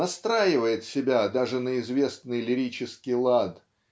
настраивает себя даже на известный лирический лад